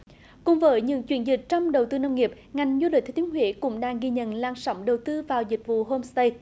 cùng với những chuyển dịch trong đầu tư nông nghiệp ngành du lịch thừa thiên huế cũng đang ghi nhận làn sóng đầu tư vào dịch vụ hôm xờ tây